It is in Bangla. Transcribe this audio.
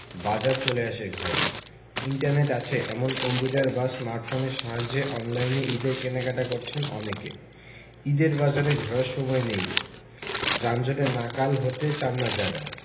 বাজার চলে আসে ঘরে ইন্টারনেট আছে এমন কম্পিউটার বা স্মার্টফোনের সাহায্যে অনলাইনে ঈদের কেনাকাটা করছেন অনেকে ঈদের বাজারে ঘোরার সময় নেই বা যানজটে নাকাল হতে চান না যাঁরা